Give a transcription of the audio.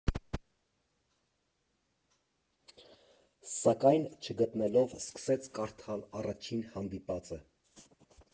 Սակայն չգտնելով, սկսեց կարդալ առաջին հանդիպածը.